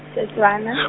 Setswana .